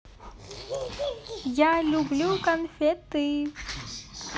я люблю конфеты